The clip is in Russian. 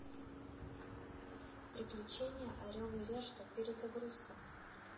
приключения орел и решка перезагрузка